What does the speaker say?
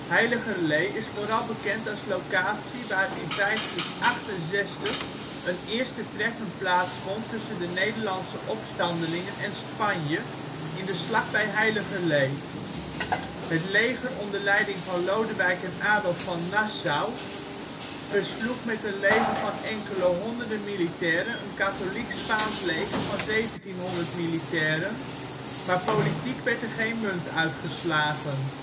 Heiligerlee is vooral bekend als locatie waar in 1568 een eerste treffen plaatsvond tussen de Nederlandse opstandelingen en Spanje in de slag bij Heiligerlee. Het leger onder leiding van Lodewijk en Adolf van Nassau versloeg met een leger van enkele honderden militairen een katholiek-Spaans leger van 1700 militairen, maar politiek werd er geen munt uit geslagen